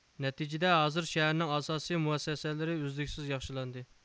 نەتىجىدە ھازىر شەھەرنىڭ ئاساسىي مۇئەسسەسىلىرى ئۈزلۈكسىز ياخشىلاندى